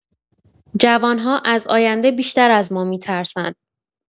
جوان‌ها از آینده بیشتر از ما می‌ترسن.